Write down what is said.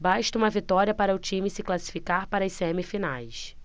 basta uma vitória para o time se classificar para as semifinais